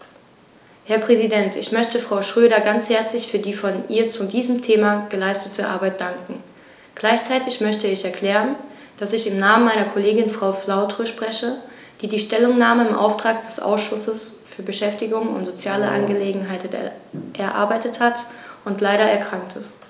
Herr Präsident, ich möchte Frau Schroedter ganz herzlich für die von ihr zu diesem Thema geleistete Arbeit danken. Gleichzeitig möchte ich erklären, dass ich im Namen meiner Kollegin Frau Flautre spreche, die die Stellungnahme im Auftrag des Ausschusses für Beschäftigung und soziale Angelegenheiten erarbeitet hat und leider erkrankt ist.